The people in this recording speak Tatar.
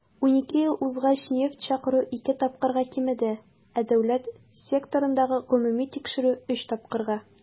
12 ел узгач нефть чыгару ике тапкырга кимеде, ә дәүләт секторындагы гомуми җитештерү - өч тапкырга.